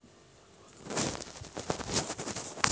башни и сеть и высоцкий